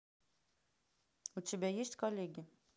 у тебя есть коллеги